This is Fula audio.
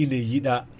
ina yiiɗa